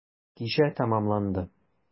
Кичә тәмамланды.